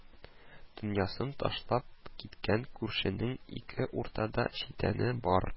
Дөньясын ташлап киткән күршенең ике уртада читәне бар